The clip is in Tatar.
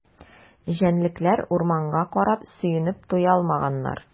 Җәнлекләр урманга карап сөенеп туя алмаганнар.